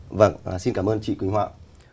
vâng à xin cảm ơn chị quỳnh hoa ạ